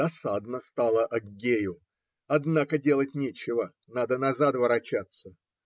Досадно стало Аггею; однако делать нечего, надо назад ворочаться.